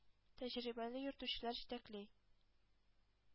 Тәҗрибәле йөртүчеләр җитәкли.